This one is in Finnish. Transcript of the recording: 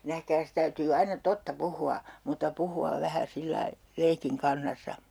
nähkääs täytyy aina totta puhua mutta puhua vähän sillä lailla leikin kannassa